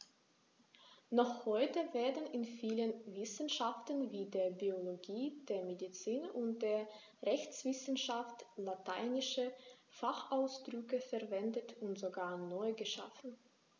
Noch heute werden in vielen Wissenschaften wie der Biologie, der Medizin und der Rechtswissenschaft lateinische Fachausdrücke verwendet und sogar neu geschaffen.